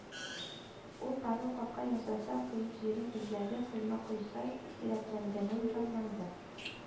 Ул, Павел капка ясаса, кыек җирен эзләде, койма койса, сирәклегеннән зарланды